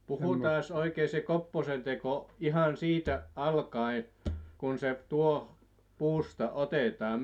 puhutaanpas oikein se kopposenteko ihan siitä alkaen kun se tuohi puusta otetaan